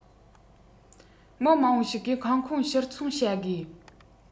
མི མང པོ ཞིག གིས ཁང ཁོངས ཕྱིར འཚོང བྱ དགོས